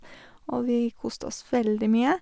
Og vi koste oss veldig mye.